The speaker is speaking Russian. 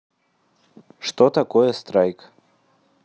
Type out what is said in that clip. что такое страйк